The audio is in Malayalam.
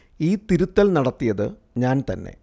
ഈ തിരുത്തൽ നടത്തിയത് ഞാൻ തന്നെ